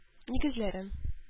Нигезләрен